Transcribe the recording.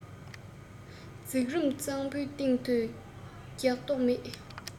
མཛོག རུམ གཙག བུའི སྟེང དུ རྒྱག མདོག མེད